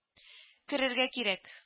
Керергә кирәк